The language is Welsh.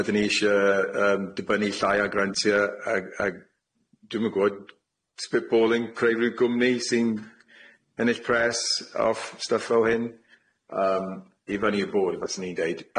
ydyn ni isie yym dibynnu llai ar grantia ag ag dwi'm yn gwbod spitballing creu ryw gwmni sy'n ennill pres off stwff fel hyn yym i fyny i'r bwrdd faswn i'n deud,